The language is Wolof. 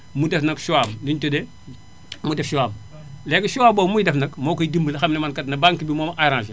mu def nag choix am li ñu tuddee mu def choix am léegi choix boobu muy def nag moo koy dimbali mu xam ne man kat banque bi moo ma arrangé